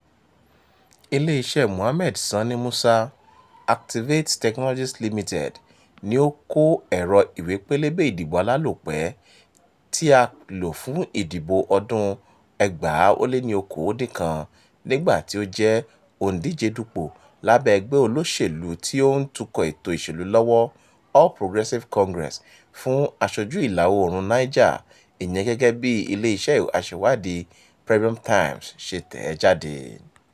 Ilé-iṣẹ́ẹ Mohammed Sani Musa, Activate Technologies Limited, ni ó kó ẹ̀rọ Ìwé-pélébé Ìdìbò Alálòpẹ́ (PVCs) tí a lò fún ìbò ọdún-un 2019, nígbà tí ó jẹ́ òǹdíjedupò lábẹ́ ẹgbẹ́ olóṣèlúu tí ó ń tukọ̀ ètò ìṣèlú lọ́wọ́ All Progressives Congress (APC) fún Aṣojú Ìlà-Oòrùn Niger, ìyẹn gẹ́gẹ́ bí ilé iṣẹ́ aṣèwádìí, Premium Times ṣe tẹ̀ ẹ́ jáde.